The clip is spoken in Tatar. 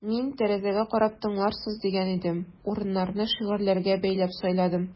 Мин тәрәзәгә карап тыңларсыз дигән идем: урыннарны шигырьләргә бәйләп сайладым.